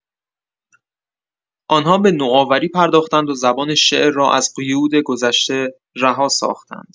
آن‌ها به نوآوری پرداختند و زبان شعر را از قیود گذشته رها ساختند.